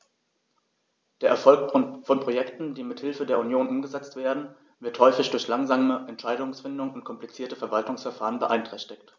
Der Erfolg von Projekten, die mit Hilfe der Union umgesetzt werden, wird häufig durch langsame Entscheidungsfindung und komplizierte Verwaltungsverfahren beeinträchtigt.